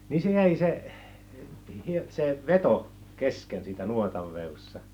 niin se jäi se se veto kesken siitä nuotan vedossa